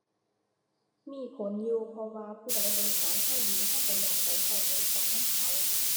มีผลอยู่ เพราะว่าผู้ใดบริการเราดี เราเราอยากไปเราบริการนำเขา